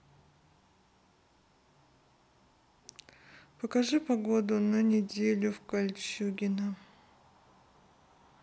покажи погоду на неделю в кольчугино